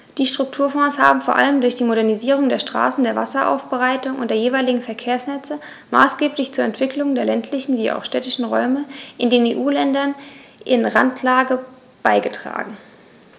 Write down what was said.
Die Strukturfonds haben vor allem durch die Modernisierung der Straßen, der Wasseraufbereitung und der jeweiligen Verkehrsnetze maßgeblich zur Entwicklung der ländlichen wie auch städtischen Räume in den EU-Ländern in Randlage beigetragen.